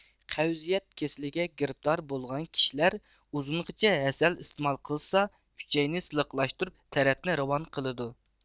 قەۋزىيەت كېسىلىگە گىرىپتار بولغان كىشىلەر ئۇزۇنغىچە ھەسەل ئىستېمال قىلسا ئۈچەينى سىلىقلاشتۇرۇپ تەرەتنى راۋان قىلىدۇ